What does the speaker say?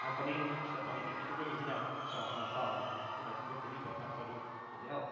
Ac o'n i'n licio bod fi 'di gallu wneud hynna, tibod, hanner ffordd, neu hyd yn oed wedyn heibio fatha bod o'n ryw, blydi hell.